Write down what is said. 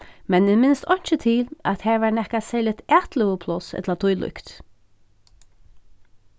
men eg minnist einki til at har var nakað serligt atløgupláss ella tílíkt